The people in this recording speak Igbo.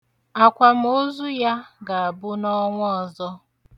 Akwamoozu ya ga-abụ n'ọnwa ọzọ.